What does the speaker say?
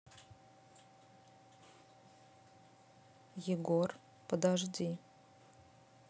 егор подожди